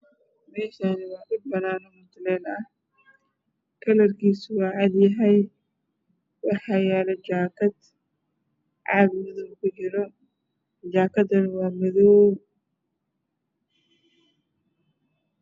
Meeshani waa dhul banan ah oo mutulel ah kalarkiisu waa cadyahay waxaa yaalo jaakad caag gududan kujiro jaakaduna waa madaw